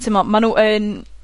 t'mo', ma' nw yn